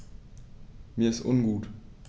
Mir ist ungut.